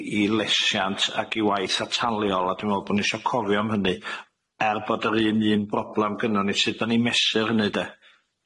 I i lesiant ag i waith ataliol a dwi me'wl bo' ni sho cofio am hynny, er bod yr un un broblam gynnon ni sud 'dan ni'n mesur hynny de?